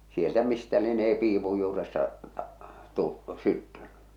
sieltä mistä lienee piipun juuresta - syttynyt